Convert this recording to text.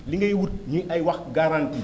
li ngay wut muy ay wax garanti yi